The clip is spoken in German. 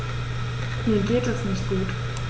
Mir geht es nicht gut.